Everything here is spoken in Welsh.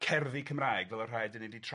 Cerddi Cymraeg fel y rhai 'da ni 'di trafod... Ia...